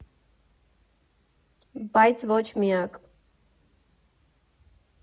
Բայց ոչ միակ։